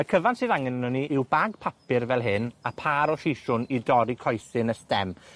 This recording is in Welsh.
Y cyfan sydd angen ano ni yw bag papur fel hyn, a pâr siswrn i dorri coesyn y stem.